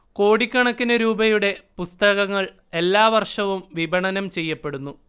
കോടിക്കണക്കിന് രൂപയുടെ പുസ്തകങ്ങൾ എല്ലാ വർഷവും വിപണനം ചെയ്യപ്പെടുന്നു